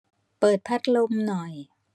เปิดพัดลมหน่อย